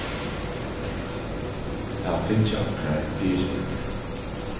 vit hava fingið onkrar fyrispurningar